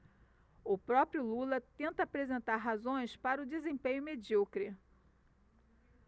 o próprio lula tenta apresentar razões para o desempenho medíocre